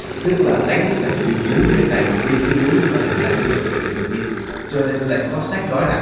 tức là đánh có thể từ núi bên này hoặc bên kia núi cũng có thể nghe thấy được để truyền tin cho nên lại có sách nói rằng